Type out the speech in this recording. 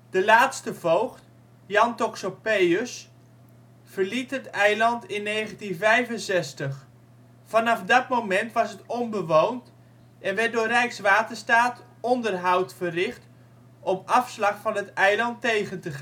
De laatste voogd, Jan Toxopeus, verliet het eiland in 1965. Vanaf dat moment was het onbewoond en werd door Rijkswaterstaat onderhoud verricht om afslag van het eiland tegen te gaan